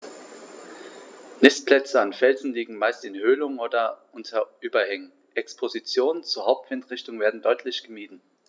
Nistplätze an Felsen liegen meist in Höhlungen oder unter Überhängen, Expositionen zur Hauptwindrichtung werden deutlich gemieden.